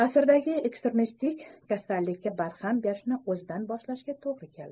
asrimizdagi ekstremistlik kasalligiga barham berishni o'zidan boshlashga to'g'ri keldi